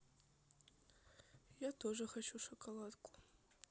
я тоже хочу шоколадку